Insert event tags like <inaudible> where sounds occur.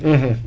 <hesitation> <hesitation>